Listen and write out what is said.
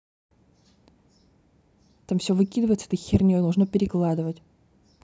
там все выкидывает с этой херней нужно перекладывать